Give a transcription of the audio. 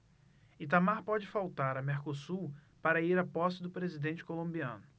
itamar pode faltar a mercosul para ir à posse do presidente colombiano